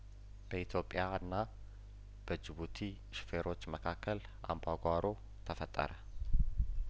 በኢትዮጵያንና በጅቡቲ ሹፌሮች መካከል አምባጓሮ ተፈጠረ